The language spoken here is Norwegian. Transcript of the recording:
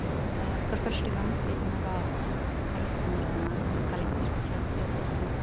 For første gang siden jeg var seksten år gammel, så skal jeg ikke jobbe i sommer.